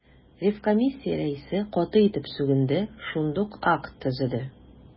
Ревкомиссия рәисе каты итеп сүгенде, шундук акт төзеде.